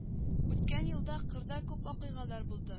Үткән елда кырда күп вакыйгалар булды